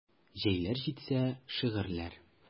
Җәйләр җитсә: шигырьләр.